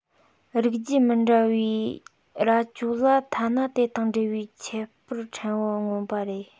རིགས རྒྱུད མི འདྲ བའི རྭ ཅོ ལ ཐ ན དེ དང འབྲེལ བའི ཁྱད པར ཕྲན བུ མངོན པ རེད